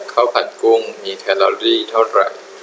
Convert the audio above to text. ข้าวผัดกุ้งมีแคลอรี่เท่าไหร่